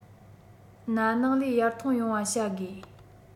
ན ནིང ལས ཡར ཐོན ཡོང བ བྱ དགོས